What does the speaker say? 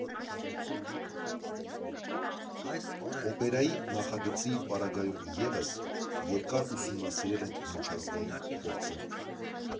Օպերայի նախագծի պարագայում ևս, երկար ուսումնասիրել ենք միջազգային փորձը։